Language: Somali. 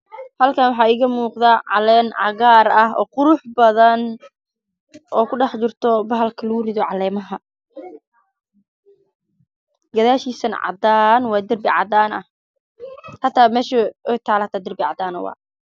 Halkaan waxa aiiga muuqdo caleen cagaar ah